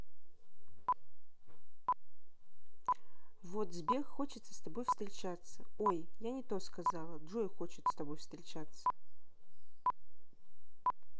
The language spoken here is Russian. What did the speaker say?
вот сбер хочется с тобой встречаться ой я не то сказала джой хочет с тобой встречаться